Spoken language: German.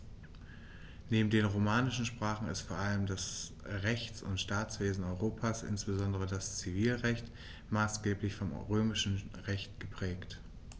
Neben den romanischen Sprachen ist vor allem das Rechts- und Staatswesen Europas, insbesondere das Zivilrecht, maßgeblich vom Römischen Recht geprägt.